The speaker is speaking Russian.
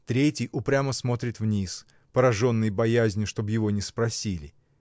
Третий упрямо смотрит вниз, пораженный боязнью, чтоб его не спросили.